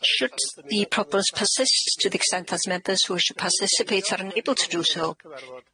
Should the problems persist to the extent that members who wish to parsicipate are unable to do so